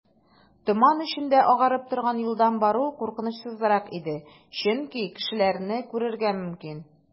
Томан эчендә агарып торган юлдан бару куркынычсызрак иде, чөнки кешеләрне күрергә мөмкин.